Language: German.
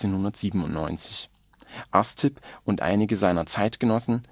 1797) Aristipp und einige seiner Zeitgenossen